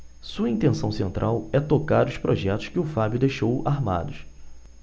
sua intenção central é tocar os projetos que o fábio deixou armados